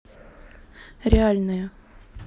реальные